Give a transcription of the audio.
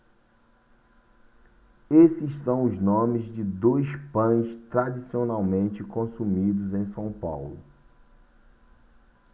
esses são os nomes de dois pães tradicionalmente consumidos em são paulo